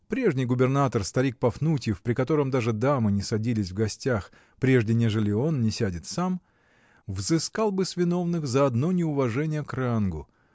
Прежний губернатор, старик Пафнутьев, при котором даже дамы не садились в гостях, прежде нежели он не сядет сам, взыскал бы с виновных за одно неуважение к рангу